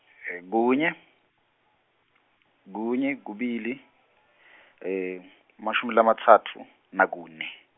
kunye, kunye, kubili , mashumi lamatsatfu, nakune.